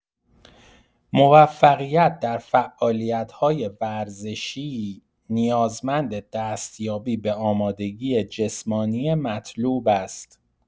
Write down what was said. موفقیت در فعالیت‌های ورزشی نیازمند دستیابی به آمادگی جسمانی مطلوب است.